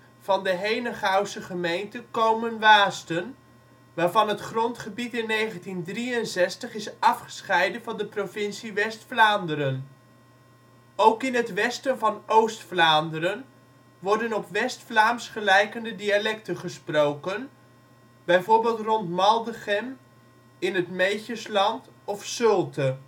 van de Henegouwse gemeente Komen-Waasten, waarvan het grondgebied in 1963 is afgescheiden van de provincie West-Vlaanderen. Ook in het westen van Oost-Vlaanderen worden op West-Vlaams gelijkende dialecten gesproken, bijvoorbeeld rond Maldegem in het Meetjesland of Zulte